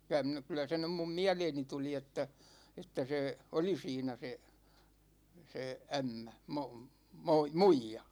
kyllä minä olen kyllä se nyt minun mieleeni tuli että että se oli siinä se se ämmä -- muija